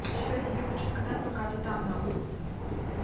еще я тебе хочу сказать пока ты там нахуй